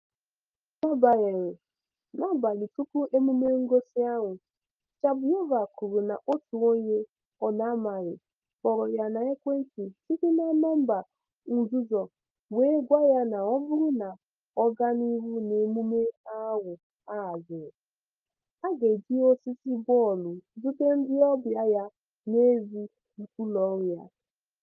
N'agbanyeghị, n'abalị tupu emume ngosi ahụ, Shabuyeva kwuru na otu onye ọ n'amaghị kpọrọ ya n'ekwentị site na nọmba nzuzo were gwa ya na ọ bụrụ na ọ ga n'ihu n'emume ahụ a haziri, a ga-eji osisi bọọlụ zute ndịọbịa ya n'èzí ụlọọrụ ya.